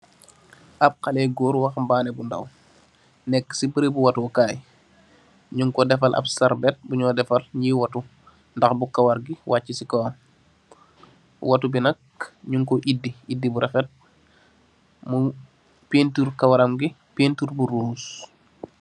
Ap xalèh gór waxu'mbani bu ndaw nekka ci barabu wateekay, ñing ko defal ap sarbet bi ño defal ñii watu ndax bu kawarr ngi wacci ci kawam. Watu bi nat ñing ko idih, idih bu rafet mu pentir kawarr bi pentir bu ruus.